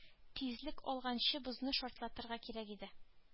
Тизлек алганчы бозны шартлатырга кирәк иде